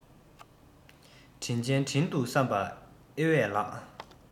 དྲིན ཅན དྲིན དུ བསམས པ ཨེ ཝེས ལགས